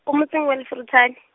ko motseng wa Lefuru tshane.